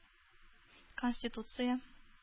Конституция